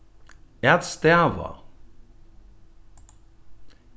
at stava